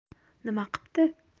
nima qipti